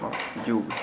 waaw jiwu bi